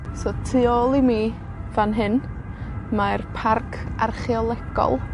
So tu ôl i mi, fan hyn, mae'r parc archeolegol,